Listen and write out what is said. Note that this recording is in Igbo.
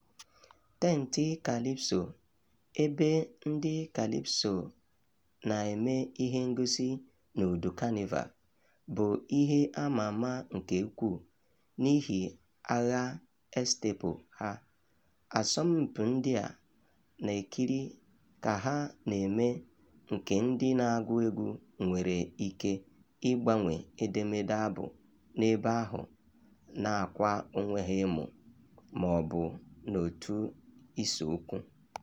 Tentị kalịpso, ebe ndị kalịpso na-eme ihe ngosi n'udu Kanịva, bụ ihe a ma ama nke ukwuu n'ihi "agha estempo" ha, asọmpị ndị a na-ekiri ka ha na-eme nke ndị na-agụ egwu nwere ike ịgbanwe edemede abụ n'ebe ahụ na-akwa onwe ha emo, ma ọ bụ n'otu isiokwu.